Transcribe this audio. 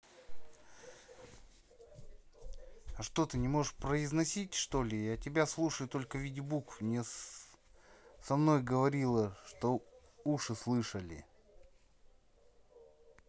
а что ты не можешь произносить что ли я тебя слушаю только в виде букв мне со мной говорила чтобы уши слышали